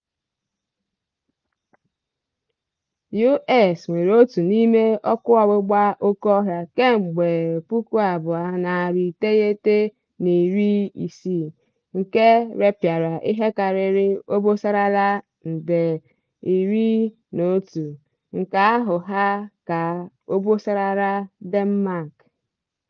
US nwere otu n'ime ọkụ ọgbụgba okéọhịa kemgbe 1960, nke repịara ihe karịrị obosaraala nde 11 (nke ahụ ha ka obosaraala Denmark).